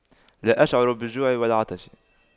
لا أشعر بالجوع والعطش